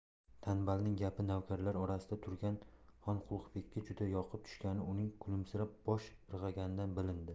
tanbalning gapi navkarlar orasida turgan xonqulibekka juda yoqib tushgani uning kulimsirab bosh irg'aganidan bilindi